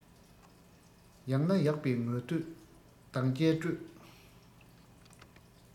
ཡག ན ཡག པས ངོ བསྟོད བདག རྐྱེན སྤྲོད